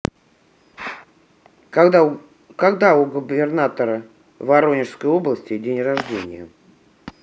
когда у губернатора воронежской области день рождения